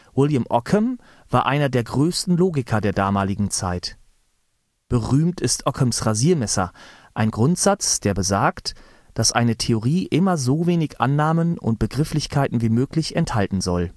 William Ockham war einer der größten Logiker der damaligen Zeit, berühmt ist Ockhams Rasiermesser, ein Grundsatz, der besagt, dass eine Theorie immer so wenig Annahmen und Begrifflichkeiten wie möglich enthalten soll